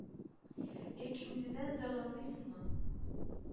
Яки үзеннән зарланмыйсыңмы? —